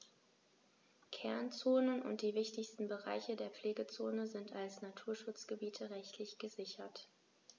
Kernzonen und die wichtigsten Bereiche der Pflegezone sind als Naturschutzgebiete rechtlich gesichert.